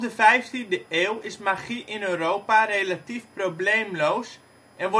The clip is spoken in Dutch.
vijftiende eeuw is magie in Europa relatief probleemloos en